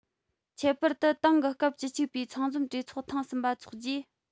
ཁྱད པར དུ ཏང གི སྐབས བཅུ གཅིག པའི ཚང འཛོམས གྲོས ཚོགས ཐེངས གསུམ པ འཚོགས རྗེས